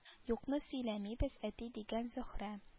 Юкны сөйләмибез әти дигән зөһрә